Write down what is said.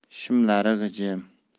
shimlari g'ijim